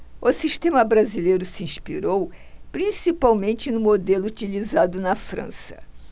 o sistema brasileiro se inspirou principalmente no modelo utilizado na frança